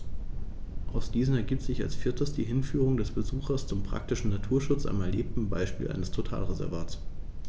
Aus diesen ergibt sich als viertes die Hinführung des Besuchers zum praktischen Naturschutz am erlebten Beispiel eines Totalreservats.